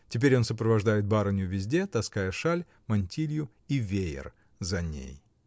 Теперь он сопровождает барыню везде, таская шаль, мантилью и веер за ней.